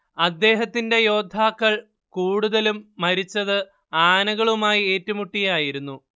അദ്ദേഹത്തിന്റെ യോദ്ധാക്കൾ കൂടുതലും മരിച്ചത് ആനകളുമായി ഏറ്റുമുട്ടിയായിരുന്നു